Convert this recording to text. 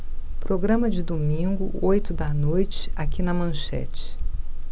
programa de domingo oito da noite aqui na manchete